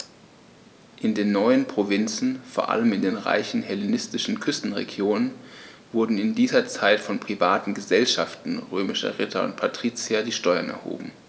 In den neuen Provinzen, vor allem in den reichen hellenistischen Küstenregionen, wurden in dieser Zeit von privaten „Gesellschaften“ römischer Ritter und Patrizier die Steuern erhoben.